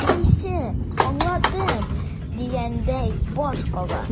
Әнисе, аңладым дигәндәй баш кага,